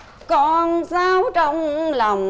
con sáo trong lòng